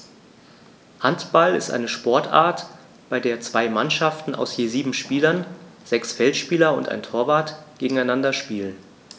Handball ist eine Sportart, bei der zwei Mannschaften aus je sieben Spielern (sechs Feldspieler und ein Torwart) gegeneinander spielen.